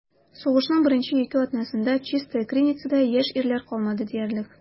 Сугышның беренче ике атнасында Чистая Криницада яшь ирләр калмады диярлек.